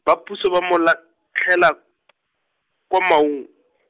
ba puso ba mo latlhela , kwa Maun .